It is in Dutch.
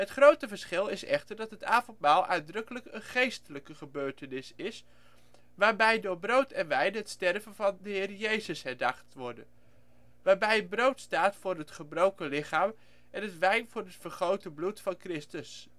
grote verschil is echter dat het avondmaal uitdrukkelijk een geestelijke gebeurtenis is, waarbij door brood en wijn het sterven van de Here Jezus herdacht worden. Waarbij het brood staat voor het gebroken lichaam en de wijn voor het het vergoten bloed van Christus